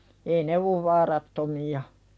ei ne ole vaarattomia